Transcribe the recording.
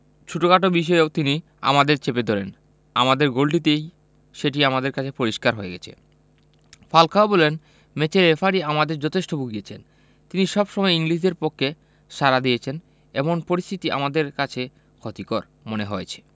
ছোটখাট বিষয়েও তিনি আমাদের চেপে ধরেন আমাদের গোলটিতেই সেটি আমার কাছে পরিস্কার হয়ে গেছে ফালকাও বলেন ম্যাচে রেফারি আমাদের যথেষ্ট ভুগিয়েছেন তিনি সবসময় ইংলিশদের পক্ষে সাড়া দিয়েছেন এমন পরিস্থিতি আমাদের কাছে ক্ষতিকর মনে হয়েছে